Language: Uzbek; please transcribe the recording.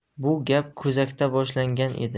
bu gap kuzakda boshlangan edi